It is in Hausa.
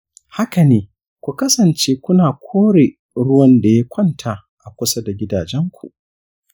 haka ne; ku kasance kuna kore ruwan da ya kwanta a kusa da gidajen ku.